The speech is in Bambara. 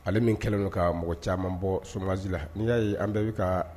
Ale min kɛlen ka mɔgɔ caman bɔ sougansi la ni' ya an bɛɛ bɛ ka